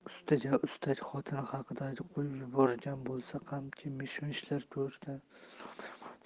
ustiga ustak xotini haqidagi qo'yib yuborgan bo'lsa ham mish mishlar ko'kragiga cho'g'day bosilardi